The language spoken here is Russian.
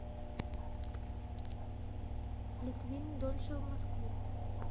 литвин дольше в москву